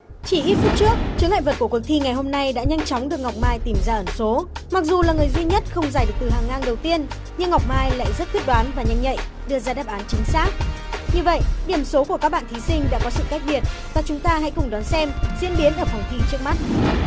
chỉ ít phút trước chướng ngại vật của cuộc thi ngày hôm nay đã nhanh chóng được ngọc mai tìm ra ẩn số mặc dù là người duy nhất không giải được từ hàng ngang đầu tiên nhưng ngọc mai lại rất quyết đoán và nhanh nhạy đưa ra đáp án chính xác như vậy điểm số của các bạn thí sinh đã có sự cách biệt và chúng ta hãy cùng đón xem diễn biến ở vòng thi trước mắt